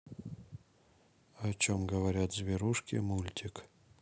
о чем говорят зверушки мультик